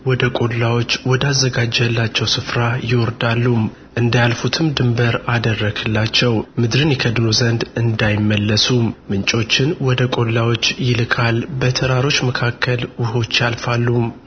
ወደ ቈላዎች ወዳዘጋጀህላቸው ስፍራ ይወርዳሉ እንዳያልፉትም ድንበር አደረግህላቸው ምድርን ይከድኑ ዘንድ እንዳይመለሱ ምንጮችን ወደ ቈላዎች ይልካል በተራሮች መካከል ውኆች ያልፋሉ